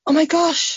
Oh my gosh!